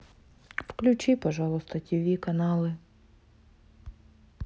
включи пожалуйста ти ви каналы